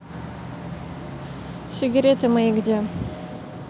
сигареты мои где